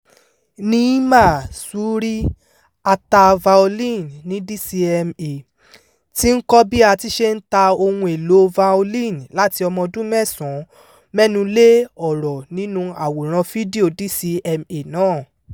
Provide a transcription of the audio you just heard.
Neema Surri, a ta violin ní DCMA, ti ń kọ́ bí a ti ṣe ń ta ohun èlòo violin láti ọmọdún mẹ́sàn-án mẹ́nu lé ọ̀rọ̀ nínú àwòrán fídíò DCMA náà.